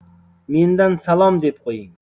mendan salom deb qo'ying